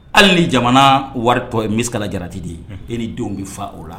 Hali ni jamana wari tɔ ye misikala jarati de ye e denw bɛ faa o la